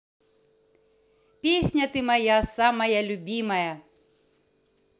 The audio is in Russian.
песня ты моя самая любимая